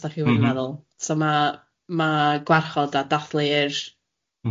...yn meddwl so ma' ma' gwarchod a dathlu'r... M-hm.